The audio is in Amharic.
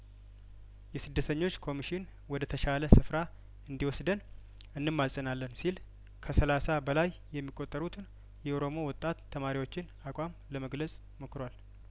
የስደተኞች ኮሚሽን ወደ ተሻለ ስፍራ እንዲ ወስደን እንማጸናለን ሲል ከሰላሳ በላይ የሚቆጠሩትን የኦሮሞ ወጣት ተማሪዎችን አቋም ለመግለጽ ሞክሯል